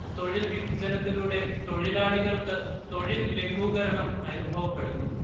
തൊഴിൽ വിഭജനത്തിലൂടെ തൊഴിലാളികൾക്ക് തൊഴിൽ ലഘൂകരണം അനുഭവപ്പെടുന്നു